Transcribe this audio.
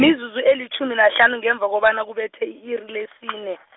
mizuzu elitjhumi nahlanu ngemva kobana kubethe i-iri lesine.